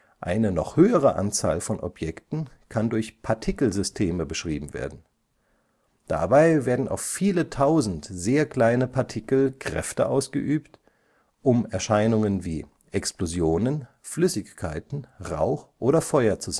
Eine noch höhere Anzahl von Objekten kann durch Partikelsysteme beschrieben werden. Dabei werden auf viele Tausend sehr kleine Partikel Kräfte ausgeübt, um Erscheinungen wie Explosionen, Flüssigkeiten, Rauch oder Feuer zu